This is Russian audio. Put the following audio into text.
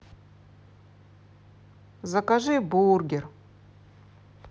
закажи бургер